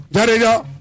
Ta i